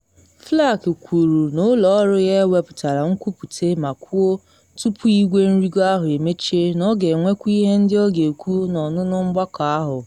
Flake kwuru na ụlọ ọrụ ya ewepụtala nkwupute ma kwuo, tupu igwe nrigo ahụ emechie, na ọ ga-enwekwu ihe ndị ọ ga-ekwu n’ọnụnụ mgbakọ ahụ.